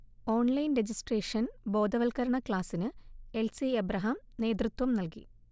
online registration ബോധവത്കരണ ക്ലാസ്സിന് L C Abraham നേതൃത്വം നൽകി